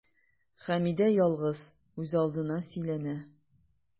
Хәмидә ялгыз, үзалдына сөйләнә.